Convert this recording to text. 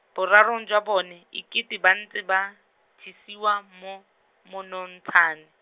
borarong jwa bone, e kete ba ntse ba, jesiwa mo, monontshane.